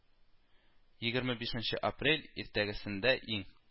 Егерме бишенче апрель иртәгәсендә иң